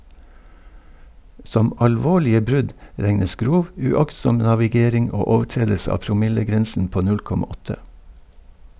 Som alvorlige brudd regnes grov, uaktsom navigering og overtredelse av promillegrensen på 0,8.